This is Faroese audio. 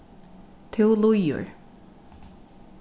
tú lýgur